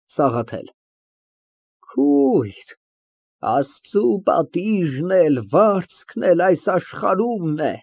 ՍԱՂԱԹԵԼ ֊ Քույր, Աստծու պատիժն էլ, վարձքն էլ այս աշխարհումն է։